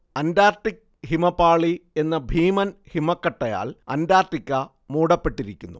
Antarctic ഹിമപാളി എന്ന ഭീമൻ ഹിമക്കട്ടയാൽ അന്റാർട്ടിക്ക മൂടപ്പെട്ടിരിക്കുന്നു